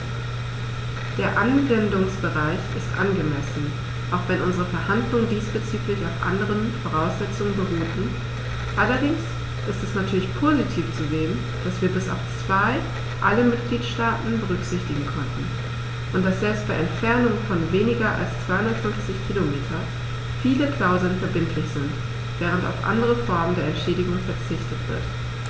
Der Anwendungsbereich ist angemessen, auch wenn unsere Verhandlungen diesbezüglich auf anderen Voraussetzungen beruhten, allerdings ist es natürlich positiv zu sehen, dass wir bis auf zwei alle Mitgliedstaaten berücksichtigen konnten, und dass selbst bei Entfernungen von weniger als 250 km viele Klauseln verbindlich sind, während auf andere Formen der Entschädigung verzichtet wird.